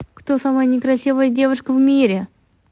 кто самая некрасивая девушка в мире